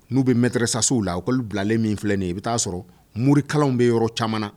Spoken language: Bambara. N'u bɛetɛɛrɛ sasow la oolu bilalen min filɛlen nin ye i bɛ taa'a sɔrɔ morikaw bɛ yɔrɔ caman na